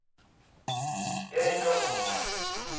я веселый